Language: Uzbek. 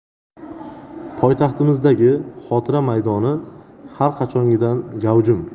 poytaxtimizdagi xotira maydoni har qachongidan gavjum